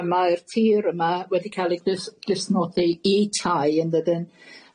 y mae'r tir yma wedi ca'l ei dys- dysmodi i tai yndydyn?